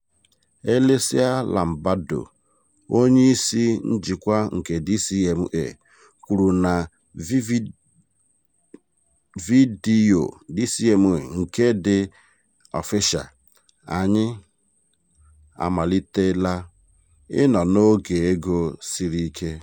Alessia Lombardo, onyeisi njikwa nke DCMA, kwuru na vidiyo DCMA nke dị ọfisha, "Anyị [amaliteela] ịnọ n'oge ego siri ike".